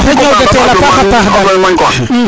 oxey jabatel a paxa pax dal